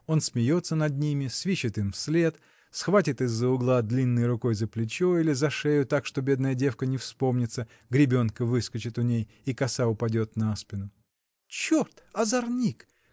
Он смеется над ними, свищет им вслед, схватит из-за угла длинной рукой за плечо или за шею так, что бедная девка не вспомнится, гребенка выскочит у ней, и коса упадет на спину. — Черт, озорник!